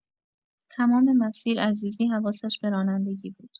تمام مسیر عزیزی حواسش به رانندگی بود.